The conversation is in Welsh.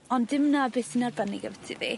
Ond dim 'na beth sy'n arbennig ambyti ddi.